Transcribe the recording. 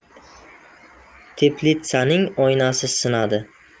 teplitsaning oynasi sinadi